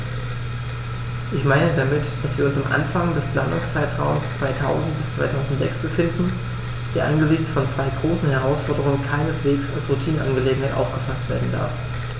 Ich meine damit, dass wir uns am Anfang des Planungszeitraums 2000-2006 befinden, der angesichts von zwei großen Herausforderungen keineswegs als Routineangelegenheit aufgefaßt werden darf.